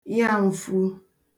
yà ǹfu